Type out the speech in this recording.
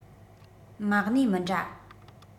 མ གནས མི འདྲ